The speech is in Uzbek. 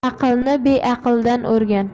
aqlni beaqldan o'rgan